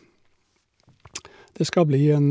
Det skal bli en...